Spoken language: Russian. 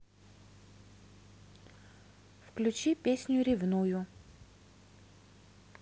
включи песню ревную